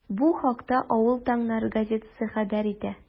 Бу хакта “Авыл таңнары” газетасы хәбәр итә.